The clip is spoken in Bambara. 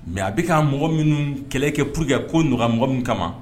Mɛ a bɛka ka mɔgɔ minnu kɛlɛ kɛ pur que ko ɲɔgɔnmɔgɔ min kama